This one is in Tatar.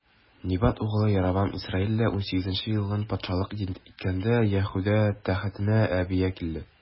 Небат углы Яробам Исраилдә унсигезенче елын патшалык иткәндә, Яһүдә тәхетенә Абия килде.